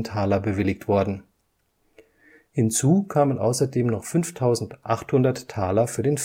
Taler bewilligt worden. Hinzu kamen außerdem noch 5800 Taler für den